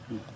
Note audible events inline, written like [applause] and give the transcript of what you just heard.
[hesitation] [hesitation]